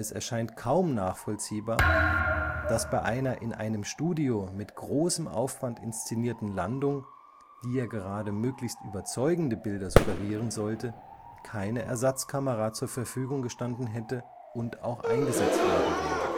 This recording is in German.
erscheint kaum nachvollziehbar, dass bei einer in einem Studio mit großem Aufwand inszenierten Landung, die ja gerade möglichst überzeugende Bilder suggerieren sollte, keine Ersatzkamera zur Verfügung gestanden hätte und auch eingesetzt worden wäre